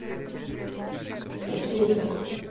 красивый секс